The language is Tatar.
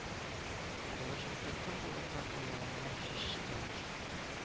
Балачакта кем булырга хыялланган: чәчтараш